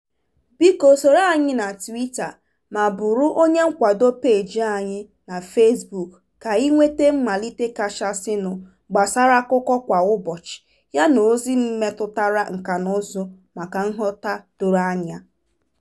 Biko soro anyị na Twitter ma bụrụ onye nkwado peeji anyị na Facebook ka i nweta mmelite kachanụ gbasara akụkọ kwa ụbọchị yana ozi metụtara nkànaụzụ maka nghọta doro anya.